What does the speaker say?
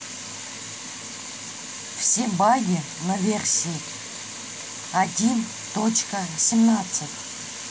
все баги на версии один точка семнадцать